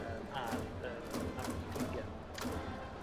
yym ar yym ar Wicipedia.